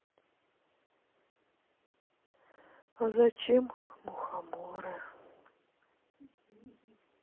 а зачем мухоморы